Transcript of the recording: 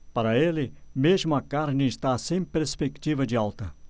para ele mesmo a carne está sem perspectiva de alta